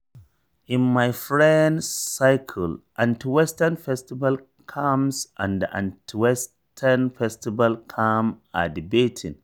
In my friend circle, anti-Western festival camps and anti-anti Western festival camps are debating.